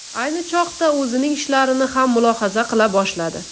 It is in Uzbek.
ayni choqda o'zining ishlarini ham mulohaza qila boshladi